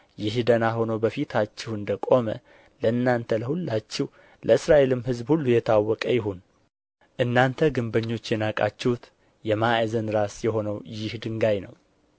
ይህ ደኅና ሆኖ በፊታችሁ እንደ ቆመ ለእናንተ ለሁላችሁ ለእስራኤልም ሕዝብ ሁሉ የታወቀ ይሁን እናንተ ግንበኞች የናቃችሁት የማዕዘን ራስ የሆነው ይህ ድንጋይ ነው